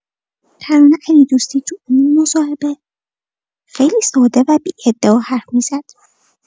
ترانه علیدوستی تو اون مصاحبه خیلی ساده و بی‌ادعا حرف می‌زد.